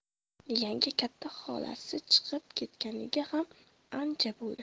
yanga katta xolasi chiqib ketganiga ham ancha bo'ldi